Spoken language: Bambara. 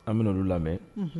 An ka nan ninnu lamɛn